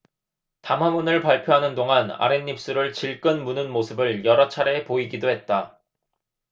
담화문을 발표하는 동안 아랫입술을 질끈 무는 모습을 여러차례 보이기도 했다